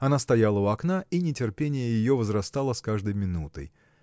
Она стояла у окна, и нетерпение ее возрастало с каждой минутой.